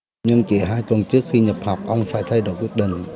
nhưng chỉ hai tuần trước khi nhập học ông đã thay đổi quyết định